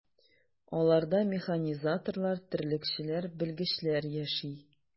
Аларда механизаторлар, терлекчеләр, белгечләр яши.